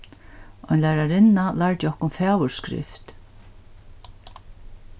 ein lærarinna lærdi okkum fagurskrift